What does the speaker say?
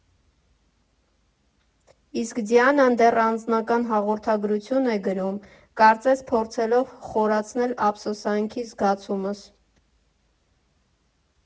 Իսկ Դիանան դեռ անձնական հաղորդագրություն է գրում՝ կարծես փորձելով խորացնել ափսոսանքի զգացումս.